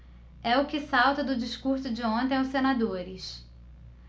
é o que salta do discurso de ontem aos senadores